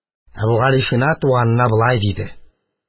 Әбүгалисина туганына болай диде: